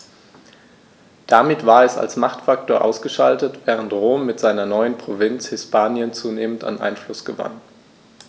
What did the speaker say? Damit war es als Machtfaktor ausgeschaltet, während Rom mit seiner neuen Provinz Hispanien zunehmend an Einfluss gewann.